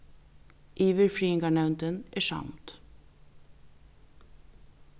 yvirfriðingarnevndin er samd